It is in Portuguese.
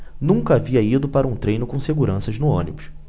nunca havia ido para um treino com seguranças no ônibus